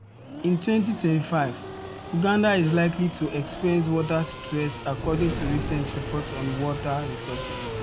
In 2025, Uganda is likely to experience water stress according to recent report on water resources.